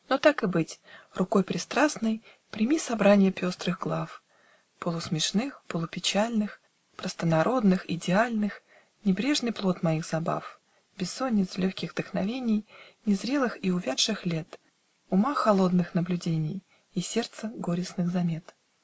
Но так и быть - рукой пристрастной Прими собранье пестрых глав, Полусмешных, полупечальных, Простонародных, идеальных, Небрежный плод моих забав, Бессонниц, легких вдохновений, Незрелых и увядших лет, Ума холодных наблюдений И сердца горестных замет.